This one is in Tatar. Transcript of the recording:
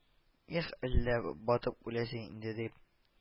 Эх, әллә батып үләсе инде, дип